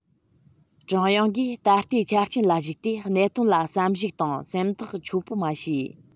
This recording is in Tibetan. ཀྲུང དབྱང གིས ད ལྟའི ཆ རྐྱེན ལ གཞིགས ཏེ གནད དོན ལ བསམ གཞིགས དང སེམས ཐག ཆོད པོ མ བྱས